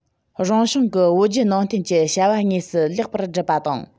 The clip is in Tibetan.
རང ཞིང གི བོད བརྒྱུད ནང བསྟན གྱི བྱ བ དངོས སུ ལེགས པར སྒྲུབ པ དང